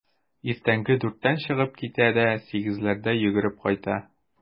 Иртәнге дүрттән чыгып китә дә сигезләрдә йөгереп кайта.